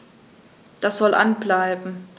Das soll an bleiben.